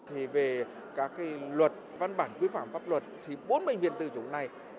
thì về các cái luật văn bản quy phạm pháp luật thì bốn bệnh viện tự chủ này